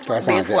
Kaa changer.